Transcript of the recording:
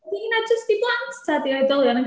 Ydi heina jyst i blant, ta 'di oedolion yn ca-...